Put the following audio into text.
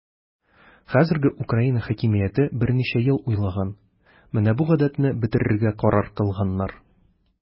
Хәзерге Украина хакимияте берничә ел уйлаган, менә бу гадәтне бетерергә карар кылганнар.